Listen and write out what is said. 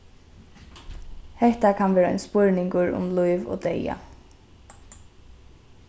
hetta kann vera ein spurningur um lív og deyða